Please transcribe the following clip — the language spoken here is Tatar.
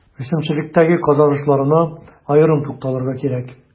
Үсемлекчелектәге казанышларына аерым тукталырга кирәк.